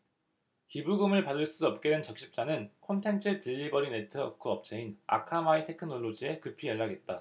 기부금을 받을 수 없게 된 적십자는 콘텐츠 딜리버리 네트워크 업체인 아카마이 테크놀로지에 급히 연락했다